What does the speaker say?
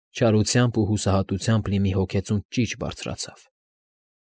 Չարությամբ ու հուսահատությամբ լի մի հոգեցունց ճիչ բարձրացավ։